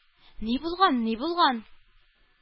-ни булган, ни булган...